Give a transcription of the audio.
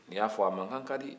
n'i y'a fɔ a mankan ka di